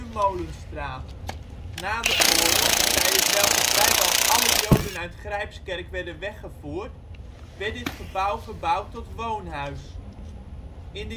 Molenstraat). Na de oorlog, tijdens welke vrijwel alle joden uit Grijpskerk werden weggevoerd, werd dit gebouw verbouwd tot woonhuis. In